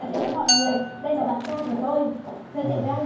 thiệu với mọi người đây là bạn trai của tôi giới thiệu với anh